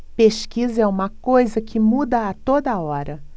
pesquisa é uma coisa que muda a toda hora